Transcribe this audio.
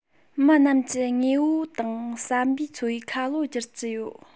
མི རྣམས ཀྱི དངོས པོ དང བསམ པའི འཚོ བའི ཁ ལོ སྒྱུར གྱི ཡོད